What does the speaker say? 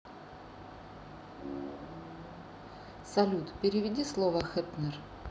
салют переведи слово heppner